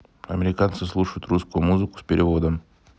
американцы слушают русскую музыку с переводом